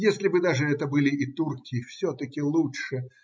Если бы даже это были и турки, все-таки лучше.